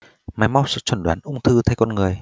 máy móc sẽ chẩn đoán ung thư thay con người